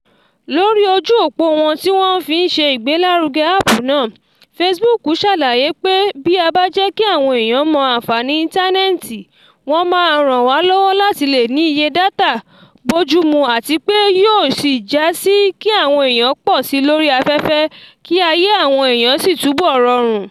Lóri ojú òpo wọn tí wọ́n fi ń ṣe ìgbélárugẹ fún áàpù náà, Facebook ṣàlàyé pé “[bí] a bá jẹ́ kí àwọn eèyàn mọ anfààní Íntánẹ̀ẹ̀tì” wọ́n máa ràn wà lọ́wọ́ láti lè ní iye data bójúmu àti pé èyí yóò sì já sí “kí àwọn eèyàn pọ̀ sí lórí afẹ́fẹ́ kí ayé àwọn eèyàn sì túbọ̀ rọrùn”.